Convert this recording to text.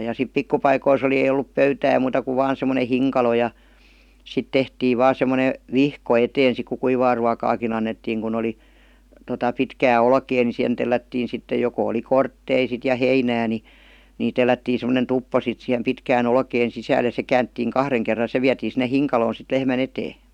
ja sitten pikku paikoissa oli ei ollut pöytää muuta kuin vain semmoinen hinkalo ja sitten tehtiin vain semmoinen vihko eteen sitten kun kuivaa ruokaakin annettiin kun oli tuota pitkää olkea niin siihen tellättiin sitten joko oli kortteita sitten ja heinää niin niin tellättiin semmoinen tuppo sitten siihen pitkään olkeen sisälle ja se käännettiin kahden kerran se vietiin sinne hinkaloon sitten lehmän eteen